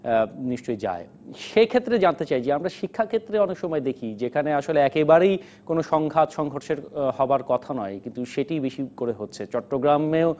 নিশ্চয়ই যায় সেক্ষেত্রে জানতে চাই যে আমরা শিক্ষাকে ক্ষেত্রে অনেক সময় দেখি যেখানে আসলে একেবারেই কোন সংঘাত সংঘর্ষের হবার কথা নয় কিন্তু সেটি বেশি করে হচ্ছে চট্টগ্রামেও